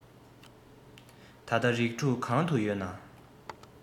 ད ལྟ རིགས དྲུག གང དུ ཡོད ན